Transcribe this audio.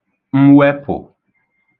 mwepụ̀